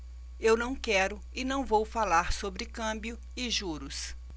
eu não quero e não vou falar sobre câmbio e juros